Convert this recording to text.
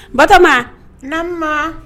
Batɔgɔma na ma